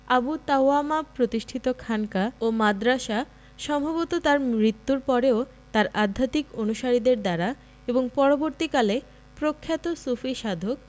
আবু তাওয়ামা প্রতিষ্ঠিত খানকা ও মাদ্রাসা সম্ভবত তাঁর মৃত্যুর পরেও তাঁর আধ্যাত্মিক অনুসারীদের দ্বারা এবং পরবর্তীকালে প্রখ্যাত সুফিসাধক